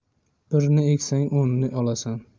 birni eksang o'nni olasan